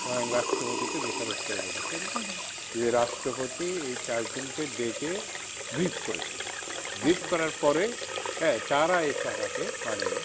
স্বয়ং রাষ্ট্রপতি কে দোষারোপ করে বলেছেন হু হু যে রাষ্ট্রপতি এই চারজনকে ডেকে ব্রিফ করেছেন ব্রিফ করার পরে তারা এসে আমাকে মানে